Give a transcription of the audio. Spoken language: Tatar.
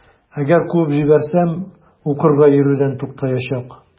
Әгәр куып җибәрсәм, укырга йөрүдән туктаячак.